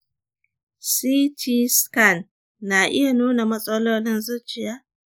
ct scan na iya nuna matsalolin zuciya?